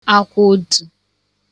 àkwaodtu